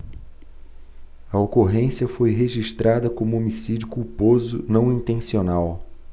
a ocorrência foi registrada como homicídio culposo não intencional